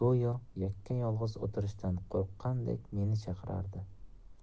o'tirishdan qo'rqqandek meni chaqirardi